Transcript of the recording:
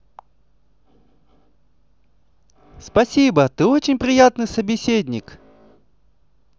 спасибо ты очень приятный собеседник